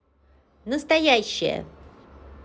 настоящая